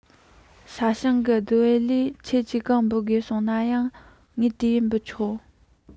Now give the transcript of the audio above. ས ཞིང གི བསྡུ འབབ ལས ཁྱེད ཀྱིས གང འབུལ དགོས གསུངས ན ཡང ངས དེ འབུལ ཆོག